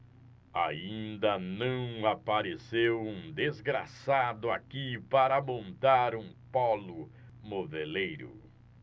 ainda não apareceu um desgraçado aqui para montar um pólo moveleiro